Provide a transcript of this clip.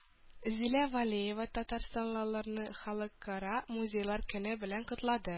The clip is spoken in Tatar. Зилә Вәлиева татарстанлыларны Халыкара музейлар көне белән котлады